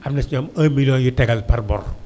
am na si ñu am 1000000 yu tegal par mois